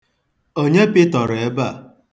Onye pịtọrọ ebe a?